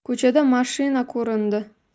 ko'chada mashina ko'rindi